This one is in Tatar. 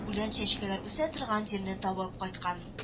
Үлән-чәчкәләр үсә торган җирне табып кайткан